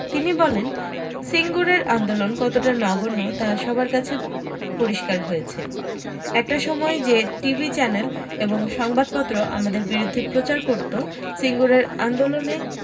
তিনি বলেন সিঙ্গুরের আন্দোলন কতটা নগণ্য তা সবার কাছে পরিষ্কার হয়েছে একটা সময় যে টিভি চ্যানেল এবং সংবাদপত্র আমাদের বিরুদ্ধে প্রচার করত সিঙ্গুরের আন্দোলনে